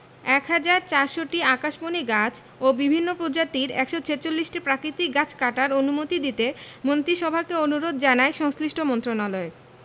১ হাজার ৪০০টি আকাশমণি গাছ ও বিভিন্ন প্রজাতির ১৪৬টি প্রাকৃতিক গাছ কাটার অনুমতি দিতে মন্ত্রিসভাকে অনুরোধ জানায় সংশ্লিষ্ট মন্ত্রণালয়